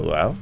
waaw